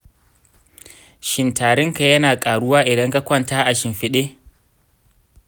shin tarinka yana karuwa idan ka kwanta a shimfiɗe?